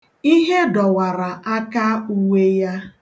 Ihe dọwara akauwe ya